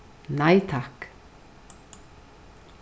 nei takk